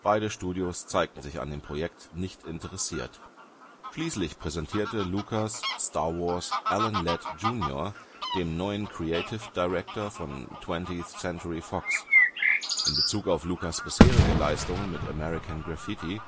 Beide Studios zeigten sich an dem Projekt nicht interessiert. Schließlich präsentierte Lucas Star Wars Alan Ladd Junior, dem neuen Creative Director von 20th Century Fox. Im Bezug auf Lucas ' bisherige Leistungen mit American Graffiti